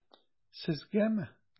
Сезгәме?